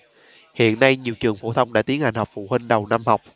hiện nay nhiều trường phổ thông đã tiến hành họp phụ huynh đầu năm học